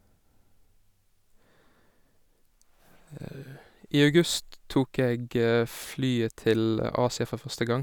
I august tok jeg flyet til Asia for første gang.